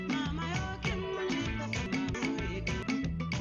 Maa kɛ nk laban